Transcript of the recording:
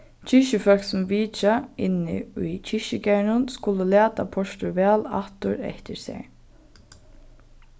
kirkjufólk sum vitja inni í kirkjugarðinum skulu lata portur væl aftur eftir sær